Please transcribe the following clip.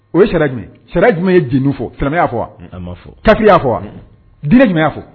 O ye jumɛn sira jumɛn ye dununin fɔmɛ yyaa fɔ a ma fɔ ka'a fɔ diinɛ jumɛn y'a fɔ